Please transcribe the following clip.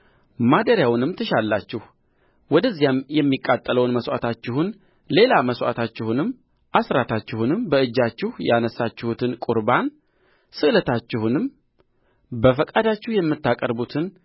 ማደሪያውንም ትሻላችሁ ወደዚያም የሚቃጠለውን መሥዋዕታችሁን ሌላ መሥዋዕታችሁንም አሥራታችሁንም በእጃችሁም ያነሣችሁትን ቍርባን ስእለታችሁንም በፈቃዳችሁ የምታቀርቡትን